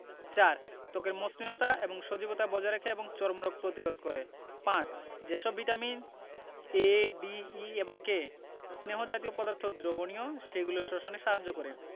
৪. ত্বকের মসৃণতা এবং সজীবতা বজায় রাখে এবং চর্মরোগ প্রতিরোধ করে ৫. যে সব ভিটামিন A D E এবং K স্নেহ জাতীয় পদার্থ দ্রবণীয় সেগুলো শোষণে সাহায্য করে